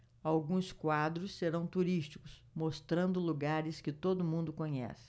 alguns quadros serão turísticos mostrando lugares que todo mundo conhece